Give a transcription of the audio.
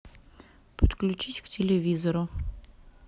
подключись к телевизору